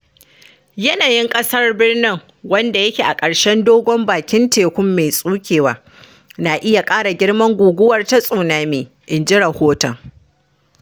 Yanayin ƙasar birnin, wanda yake a ƙarshen dogon, bakin teku mai tsukewa, na iya ƙara girman guguwar ta tsunami, in ji rahoton.